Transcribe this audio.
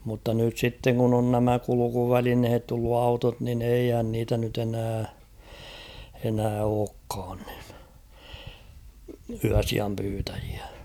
mutta nyt sitten kun on nämä kulkuvälineet tullut autot niin eihän niitä nyt enää enää olekaan niin yösijan pyytäjiä